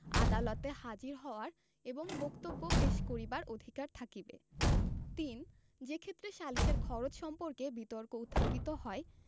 আদালতে হাজির হওয়ার এবং বক্তব্য পেশ করিবার অধিকার থাকিবে ৩ যে ক্ষেত্রে সালিসের খরচ সম্পর্কে বিতর্ক উত্থাপিত হয়